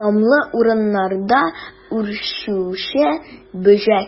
Дымлы урыннарда үрчүче бөҗәк.